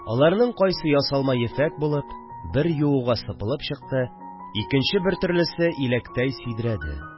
Аларның кайсы ясалма ефәк булып, бер юуга сыпылып чыкты, икенче бер төрлесе иләктәй сидрәде